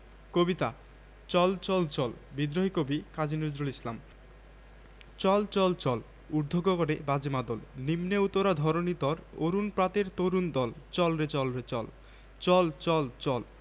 কবিতা চল চল চল বিদ্রোহী কবি কাজী নজরুল ইসলাম চল চল চল ঊর্ধ্ব গগনে বাজে মাদল নিম্নে উতরা ধরণি তল অরুণ প্রাতের তরুণ দল চল রে চল রে চল চল চল চল